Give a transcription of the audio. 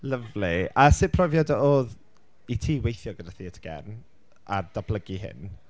Lyfli. A sut profiad oedd i ti weithio gyda Theatr Gen, a datblygu hyn?